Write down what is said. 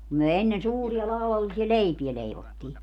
kun me ennen suuria laudallisia leipää leivottiin